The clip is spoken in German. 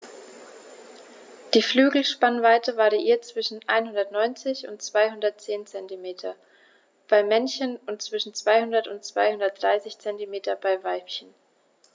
Die Flügelspannweite variiert zwischen 190 und 210 cm beim Männchen und zwischen 200 und 230 cm beim Weibchen.